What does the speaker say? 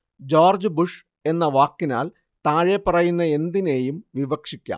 George Bush എന്ന വാക്കിനാൽ താഴെപ്പറയുന്ന എന്തിനേയും വിവക്ഷിക്കാം